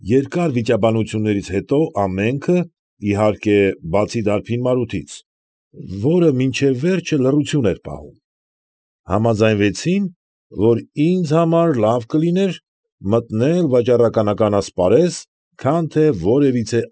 Երկար վիճաբանություններից րից հետո ամենքը, իհարկե, բացի դարբին Մարութից ֊ որը մինչև վերջը լռություն էր պահում ֊ համաձայնվեցին, որ ինձ համար լավ կլինի մտնել վաճառականական ասպարեզ, քան թե որևիցե։